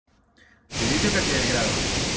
ты видела как я играла